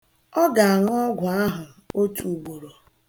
Ọ ga-aṅụ ọgwụ ahụ otuugboro.